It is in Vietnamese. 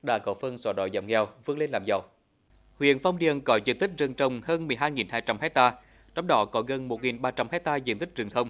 đã có phần xóa đói giảm nghèo vươn lên làm giàu huyện phong điền có diện tích rừng trồng hơn mười hai nghìn hai trăm héc ta trong đó có gần một nghìn ba trăm héc ta diện tích rừng thông